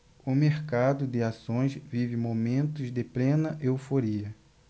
o mercado de ações vive momentos de plena euforia